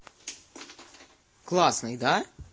классный да